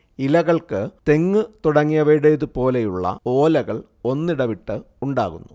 ഇലകൾക്ക് തെങ്ങ് തുടങ്ങിയവയുടേതു പോലെയുള്ള ഓലകൾ ഒന്നിടവിട്ട് ഉണ്ടാകുന്നു